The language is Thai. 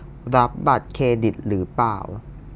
รับบัตรเครดิตหรือเปล่า